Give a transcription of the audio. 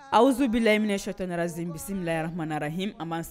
Awzbi layiini sɔɔtɔon raze bisimila bilayɔrɔrakmara h a ma san